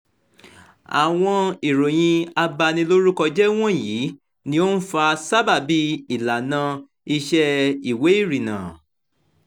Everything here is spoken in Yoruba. Àwọn ìròyìn abanilórúkọjẹ́ wọ̀nyí, ni ó ń fa sábàbí ìlànà-iṣẹ́ ìwé ìrìnnà: